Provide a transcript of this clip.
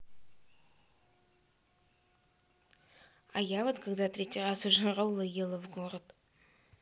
а я вот когда третий раз уже роллы ела в город